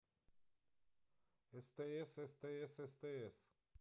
стс стс стс